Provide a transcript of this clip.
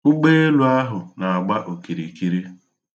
Ụgbeelu ahụ na-agba okirikiri.